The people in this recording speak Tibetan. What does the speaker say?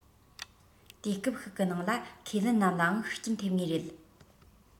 དུས སྐབས ཤིག གི ནང ལ ཁས ལེན རྣམས ལའང ཤུགས རྐྱེན ཐེབས ངེས རེད